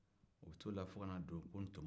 u bɛ t'o la fo ka na don ko tɔmɔ